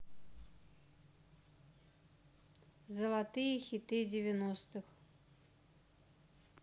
золотые хиты девяностых